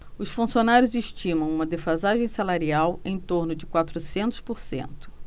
os funcionários estimam uma defasagem salarial em torno de quatrocentos por cento